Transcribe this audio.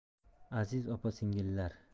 aziz opa singillar